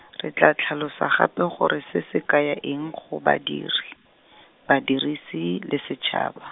re tla tlhalosa gape gore se se kaya eng go badiri, badirisi le setšhaba.